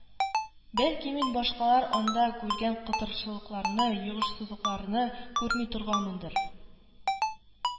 Бәлки, мин башкалар анда күргән кытыршылыкларны, йогышсызлыкларны күрми торганмындыр